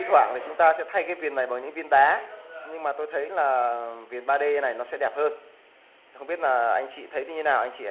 thi thoảng chúng ta sẽ thay những viền này bằng những viên đá tôi thấy viền d này sẽ đẹp hơn không biết anh chị thấy thế nào